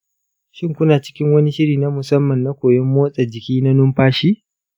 shin kuna cikin wani shiri na musamman na koyon motsa jiki na numfashi?